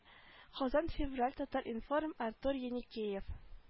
Казан февраль татар-информ артур еникеев